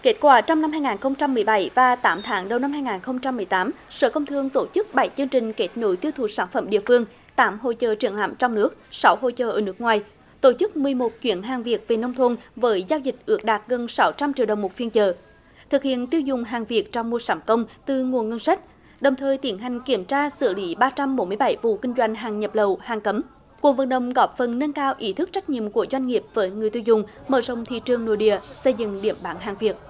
kết quả trong năm hai ngàn không trăm mười bảy và tám tháng đầu năm hai ngàn không trăm mười tám sở công thương tổ chức bảy chương trình kết nối tiêu thụ sản phẩm địa phương tám hội chợ triển lãm trong nước sáu hội chợ ở nước ngoài tổ chức mười một chuyến hàng việt về nông thôn với giao dịch ước đạt gần sáu trăm triệu đồng một phiên chợ thực hiện tiêu dùng hàng việt trong mua sắm công từ nguồn ngân sách đồng thời tiến hành kiểm tra xử lý ba trăm bốn mươi bảy vụ kinh doanh hàng nhập lậu hàng cấm cuộc vận động góp phần nâng cao ý thức trách nhiệm của doanh nghiệp với người tiêu dùng mở rộng thị trường nội địa xây dựng điểm bán hàng việt